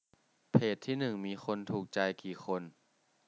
เพจที่หนึ่งมีคนถูกใจกี่คน